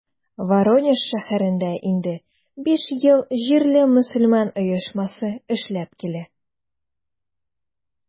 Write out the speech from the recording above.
Воронеж шәһәрендә инде биш ел җирле мөселман оешмасы эшләп килә.